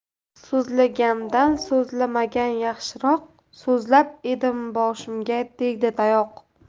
so'zlagandan so'zlamagan yaxshiroq so'zlab edim boshimga tegdi tayoq